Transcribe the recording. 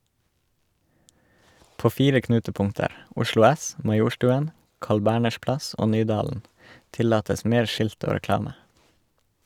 På fire knutepunkter, Oslo S, Majorstuen, Carl Berners plass og Nydalen, tillates mer skilt og reklame.